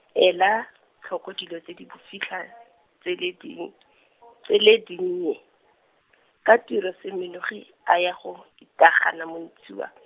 ela, tlhoko dilo tse di bofitlha tse le din-, tse le dinnye, ka tiro Semenogi, a ya go itaagana Montshiwa.